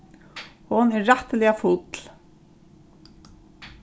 hon er rættiliga full